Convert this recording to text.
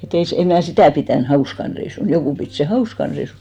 että ei se en minä sitä pitänyt hauskana reissuna joku piti sen hauskana reissuna